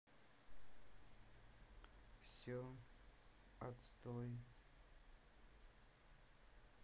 все отстой